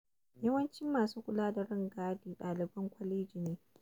Yawancin masu kula da rangadin ɗaliban kwaleji ne.